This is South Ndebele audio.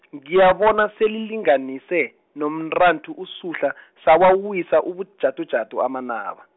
ngayibona selilinganise, nomntanthu uSuhla , sawawisa ubujadujadu amanaba.